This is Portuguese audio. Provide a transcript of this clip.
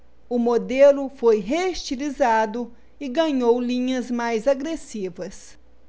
o modelo foi reestilizado e ganhou linhas mais agressivas